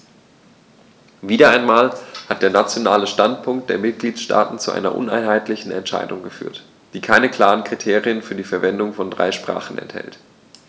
Wieder einmal hat der nationale Standpunkt der Mitgliedsstaaten zu einer uneinheitlichen Entscheidung geführt, die keine klaren Kriterien für die Verwendung von drei Sprachen enthält.